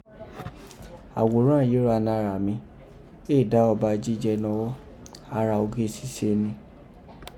Àwòrán yìí gha nára mi, éè da ọba jíjẹ nọ́wọ́, ara oge síse rin.